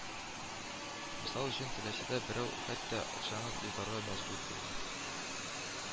Мисал өчен Теләчедә берәү хәтта акчаны йотарга мәҗбүр булган